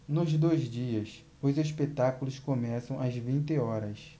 nos dois dias os espetáculos começam às vinte horas